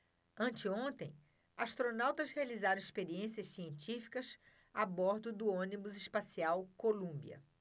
anteontem astronautas realizaram experiências científicas a bordo do ônibus espacial columbia